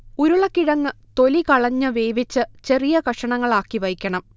ഉരുളക്കിഴങ്ങു തൊലി കളഞ്ഞു വേവിച്ചു ചെറിയ കഷണങ്ങളാക്കി വയ്ക്കണം